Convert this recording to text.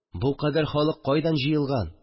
Бу кадәр халык кайдан җыелган